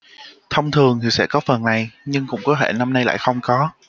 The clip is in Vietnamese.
thông thường thì sẽ có phần này nhưng cũng có thể năm nay lại không có